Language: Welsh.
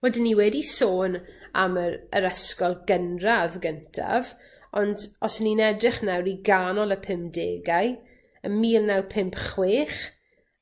Wedyn ni wedi sôn am yr yr ysgol gynradd gyntaf ond os 'yn ni'n edrych nawr i ganol y pumdegau, ym mil naw pump chwech